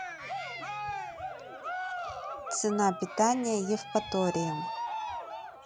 цена питания евпатории